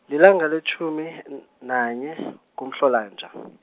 lilanga letjhumi, n- nanye , kuMhlolanja .